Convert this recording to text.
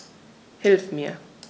Hilf mir!